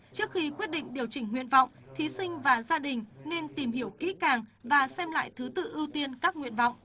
trước khi quyết định điều chỉnh nguyện vọng thí sinh và gia đình nên tìm hiểu kỹ càng và xem lại thứ tự ưu tiên các nguyện vọng